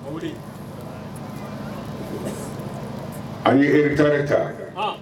An ye yɛrɛtare ta